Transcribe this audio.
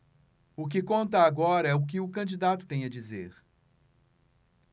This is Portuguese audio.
o que conta agora é o que o candidato tem a dizer